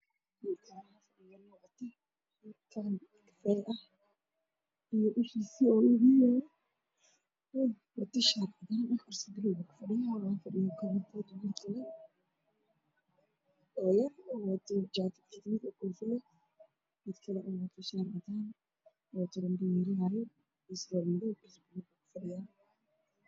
Waxaa ii muuqda dad badan oo niman ah naago waxay qaadayaan hees